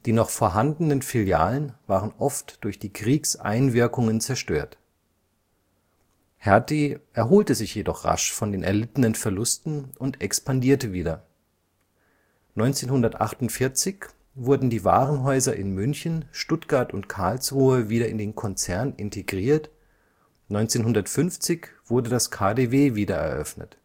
noch vorhandenen Filialen waren oft durch die Kriegseinwirkungen zerstört. Hertie erholte sich jedoch rasch von den erlittenen Verlusten und expandierte wieder. 1948 wurden die Warenhäuser in München, Stuttgart und Karlsruhe wieder in den Konzern integriert, 1950 wurde das KaDeWe wiedereröffnet